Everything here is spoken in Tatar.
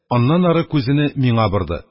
Аннан ары күзене миңа борды.